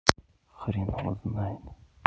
хренову знает